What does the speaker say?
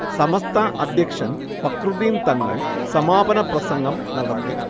സമസ്ത അധ്യക്ഷൻ ഫഖ്റുദ്ദീൻ തങ്ങൾ സമാപന പ്രസംഗം നടത്തി